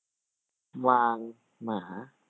วางหมา